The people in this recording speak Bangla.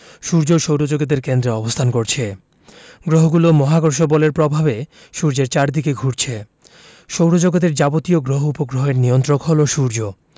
সূর্য সৌরজগতের কেন্দ্রে অবস্থান করছে গ্রহগুলো মহাকর্ষ বলের প্রভাবে সূর্যের চারদিকে ঘুরছে সৌরজগতের যাবতীয় গ্রহ উপগ্রহের নিয়ন্ত্রক হলো সূর্য